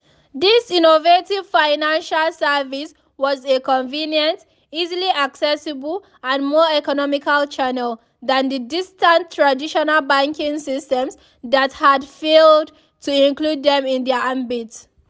This innovative financial service was a convenient, easily accessible and more economical channel, than the ‘distant’, traditional banking systems that had failed to include them in their ambit.